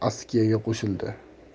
ham askiyaga qo'shildi